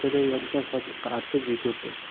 chekkada yotgan sochiqqa artib yugurdi